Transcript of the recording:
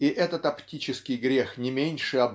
и этот оптический грех не меньше